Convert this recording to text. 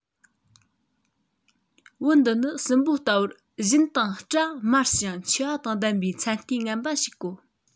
བུ འདི ནི སྲིན པོ ལྟ བུར བཞིན དང སྐྲ དམར ཞིང མཆེ བ དང ལྡན པའི མཚན ལྟས ངན པ ཞིག གོ